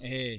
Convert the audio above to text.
eeyi eeyi